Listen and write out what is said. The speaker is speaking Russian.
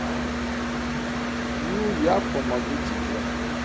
ну я помогу тебе